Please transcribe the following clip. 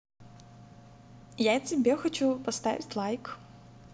я тебе хочу поставить лайк